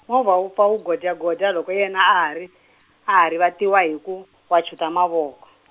movha wu pfa wu godya godya loko yena a ha ri, a ha rivatiwa hi ku, wachuta mavoko.